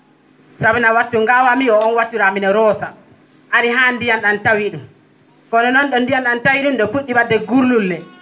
saabuna wattu gawammi o on wattu mi?a roosa ari ha ndiyam ?ang tawi ?um kono noon ?o ndiyam ?ang tawi ?um ?o fu??i wa?de gullol ni